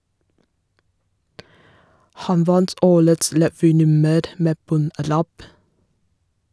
Han vant årets revynummer med "bon-ræp".